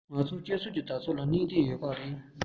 ང ཚོས སྤྱི ཚོགས ཀྱི དར སྲོལ ལ གནད དོན ཡོད པ རེད